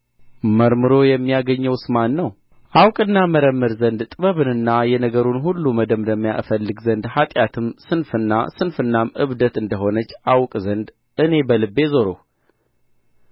መርምሮ የሚያገኘውስ ማን ነው አውቅና እመረምር ዘንድ ጥበብንና የነገሩን ሁሉ መደምደሚያ እፈልግ ዘንድ ኃጢአትም ስንፍና ስንፍናም እብደት እንደ ሆነች አውቅ ዘንድ እኔ በልቤ ዞርሁ